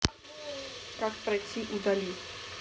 как пройти удали